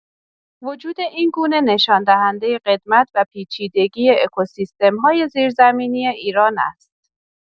وجود این گونه نشان‌دهنده قدمت و پیچیدگی اکوسیستم‌های زیرزمینی ایران است.